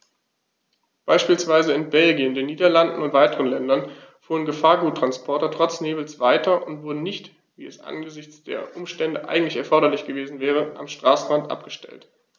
Beispielsweise in Belgien, den Niederlanden und weiteren Ländern fuhren Gefahrguttransporter trotz Nebels weiter und wurden nicht, wie es angesichts der Umstände eigentlich erforderlich gewesen wäre, am Straßenrand abgestellt.